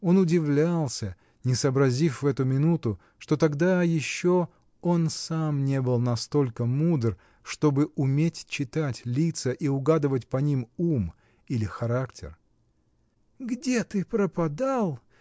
Он удивлялся, не сообразив в эту минуту, что тогда еще он сам не был настолько мудр, чтобы уметь читать лица и угадывать по ним ум или характер. — Где ты пропадал?